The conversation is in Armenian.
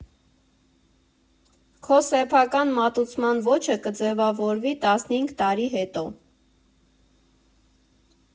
Քո սեփական մատուցման ոճը կձևավորվի տասնհինգ տարի հետո։